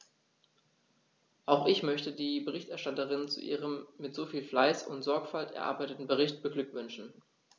Auch ich möchte die Berichterstatterin zu ihrem mit so viel Fleiß und Sorgfalt erarbeiteten Bericht beglückwünschen.